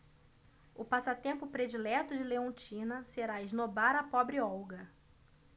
o passatempo predileto de leontina será esnobar a pobre olga